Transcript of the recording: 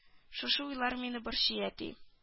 Шушы уйлар мине борчый әти